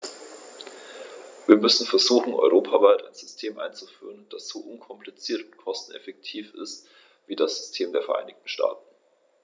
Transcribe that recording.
Wir müssen versuchen, europaweit ein System einzuführen, das so unkompliziert und kosteneffektiv ist wie das System der Vereinigten Staaten.